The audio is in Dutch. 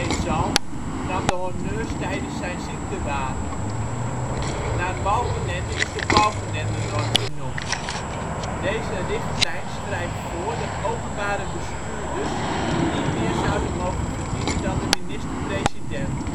Zalm nam de honneurs tijdens zijn ziekte waar. Naar Balkenende is de Balkenende-norm vernoemd. Deze richtlijn schrijft voor dat openbare bestuurders niet meer zouden mogen verdienen dan de minister-president